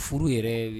Furu yɛrɛ